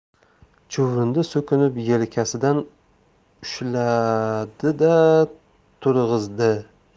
chuvrindi so'kinib yelkasidan ushladi da turg'izdi